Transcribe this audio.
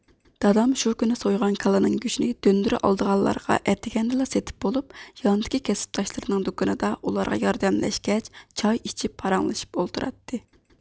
دادام شۇ كۈنى سويغان كالىنىڭ گۆشىنى دۆندۈر ئالدىغانلارغا ئەتىگەندىلا سېتىپ بولۇپ ياندىكى كەسىپداشلىرىنىڭ دۇكىنىدا ئۇلارغا ياردەملەشكەچ چاي ئىچىپ پاراڭلىشىپ ئولتۇراتتى